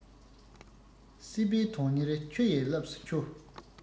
སྲེད པས དོན གཉེར ཆུ ཡི རླབས སུ འཕྱོ